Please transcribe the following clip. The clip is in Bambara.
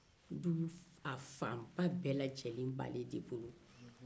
du a fanba bɛɛ lajɛlen b'ale de bolo